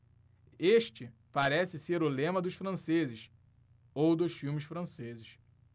este parece ser o lema dos franceses ou dos filmes franceses